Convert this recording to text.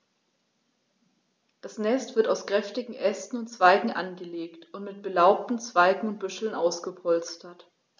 Das Nest wird aus kräftigen Ästen und Zweigen angelegt und mit belaubten Zweigen und Büscheln ausgepolstert.